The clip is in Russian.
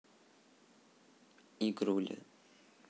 игруля